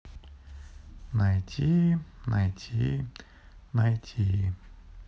найти найти найти